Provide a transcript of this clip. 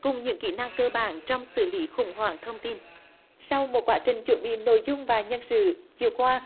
cùng những kỹ năng cơ bản trong xử lý khủng hoảng thông tin sau một quá trình chuẩn bị nội dung và nhân sự chiều qua